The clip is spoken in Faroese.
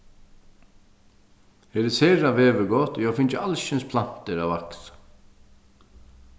her er sera veðurgott og eg havi fingið alskyns plantur at vaksa